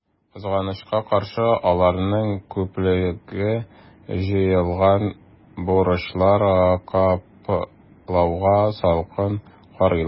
Кызганычка каршы, аларның күпчелеге җыелган бурычларын каплауга салкын карыйлар.